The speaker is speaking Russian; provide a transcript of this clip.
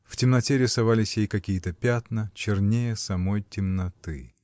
В темноте рисовались ей какие-то пятна, чернее самой темноты.